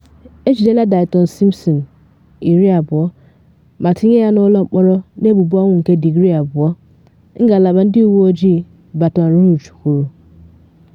Ejidela Dyteon Simpson, 20, ma tinye ya n’ụlọ mkpọrọ na ebubo ọnwụ nke digrii-abụọ, Ngalaba Ndị Uwe Ojii Baton Rouge kwuru.